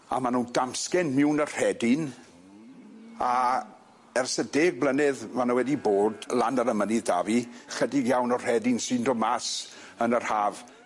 a ma' nw'n damsgen miwn y rhedyn a ers y deg blynedd ma' nw wedi bod lan ar y mynydd 'da fi chydig iawn o rhedyn sy'n dod mas yn yr haf.